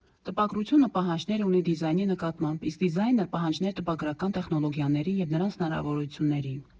Տպագրությունը պահանջներ ունի դիզայնի նկատմամբ, իսկ դիզայնը՝ պահանջներ տպագրական տեխնոլոգիաների և նրանց հնարավորությունների։